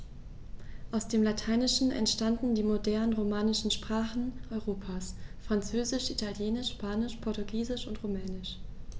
Aus dem Lateinischen entstanden die modernen „romanischen“ Sprachen Europas: Französisch, Italienisch, Spanisch, Portugiesisch und Rumänisch.